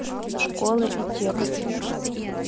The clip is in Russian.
школы и текст